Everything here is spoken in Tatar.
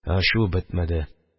Ә ачуы бетмәде.